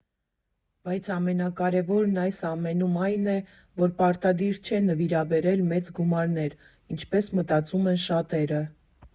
Բայց ամենակարևորն այս ամենում այն է, որ պարտադիր չէ նվիրաբերել մեծ գումարներ, ինչպես մտածում են շատերը։